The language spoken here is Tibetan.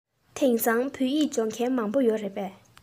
དེང སང བོད ཡིག སྦྱོང མཁན མང པོ ཡོད རེད པས